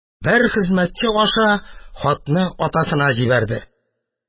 Бер хезмәтче аша хатны атасына җибәрде